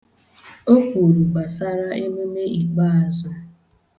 O kwuru gbasara emume ikpeazụ.